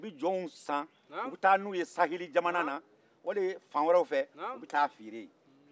u bɛ jɔnw san u bɛ taa n'u ye sahelijamana na wali fan wɛrɛw fɛ u bɛ taa fere yen